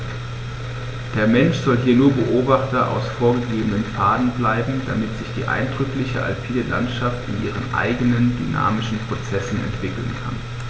Der Mensch soll hier nur Beobachter auf vorgegebenen Pfaden bleiben, damit sich die eindrückliche alpine Landschaft in ihren eigenen dynamischen Prozessen entwickeln kann.